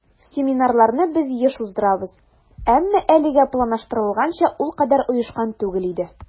Семинарларны без еш уздырабыз, әмма әлегә планлаштырылганча ул кадәр оешкан түгел иде.